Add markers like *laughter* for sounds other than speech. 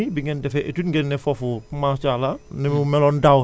*hesitation* ren jii nii bi ngeen defee étude ngeen ne foofu macha allah